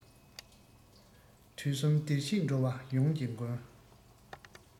དུས གསུམ བདེར གཤེགས འགྲོ བ ཡོངས ཀྱི མགོན